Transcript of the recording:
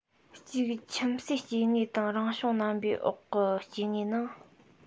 གཅིག ཁྱིམ གསོས སྐྱེ དངོས དང རང བྱུང རྣམ པའི འོག གི སྐྱེ དངོས ནང